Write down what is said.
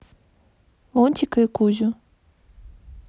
лунтика и кузю